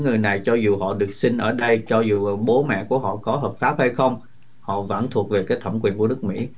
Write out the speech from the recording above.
người này cho dù họ được sinh ở đây cho dù bố mẹ của họ có hợp pháp hay không họ vẫn thuộc về thẩm quyền của nước mỹ